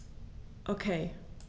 Okay.